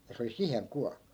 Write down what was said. ja se oli siihen kuollut